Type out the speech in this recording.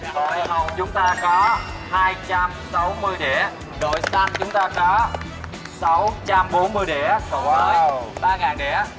đội hồng chúng ta có hai trăm sáu mươi đĩa đội xanh chúng ta có sáu trăm bốn mươi đĩa cộng với ba ngàn đĩa